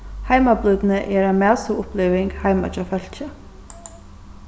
heimablídni er ein matstovuuppliving heima hjá fólki